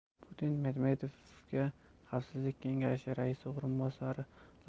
putin medvedevga xavfsizlik kengashi raisi